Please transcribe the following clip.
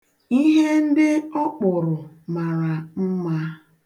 Ihe ndị ọ kpụrụ mara mma.